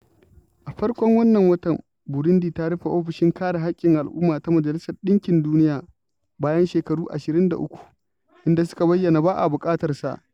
A farkon wannan watan, Burundi ta rufe ofishin kare haƙƙin al'umma na Majalisar ɗinkin Duniya bayan shekaru 23, inda suka bayyana ba a buƙatarsa.